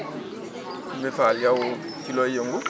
Oumy Fall yow ci looy yëngu